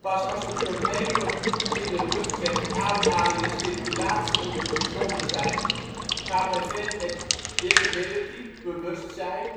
Pas als de problemen in de luchtweg, ademhaling en circulatie onder controle zijn, gaat men verder met de Disability (bewustzijn)